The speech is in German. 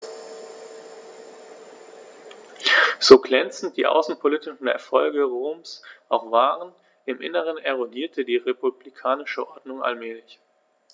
So glänzend die außenpolitischen Erfolge Roms auch waren: Im Inneren erodierte die republikanische Ordnung allmählich.